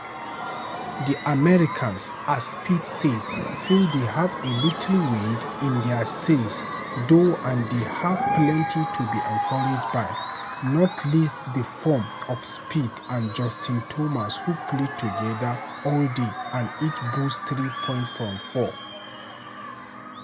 The Americans, as Spieth says, feel they have a little wind in their sails though and they have plenty to be encouraged by, not least the form of Spieth and Justin Thomas who played together all day and each boast three points from four.